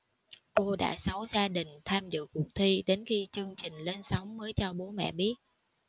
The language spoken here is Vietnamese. cô đã giấu gia đình tham dự cuộc thi đến khi chương trình lên sóng mới cho bố mẹ biết